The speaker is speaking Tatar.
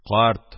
Карт,